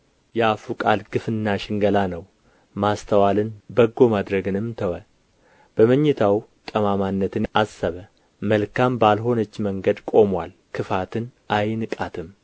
የአፉ ቃል ግፍና ሽንገላ ነው ማስተዋልን በጎ ማድረግንም ተወ በመኝታው ጠማማነትን አሰበ መልካም ባልሆነች መንገድ ቆሞአል ክፋትን አይንቃትም